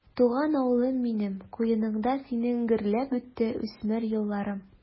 Туган авылым минем, куеныңда синең гөрләп үтте үсмер елларым.